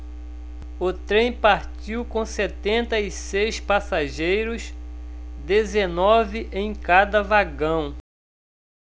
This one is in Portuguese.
o trem partiu com setenta e seis passageiros dezenove em cada vagão